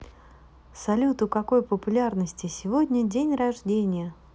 салют у какой популярности сегодня день рождения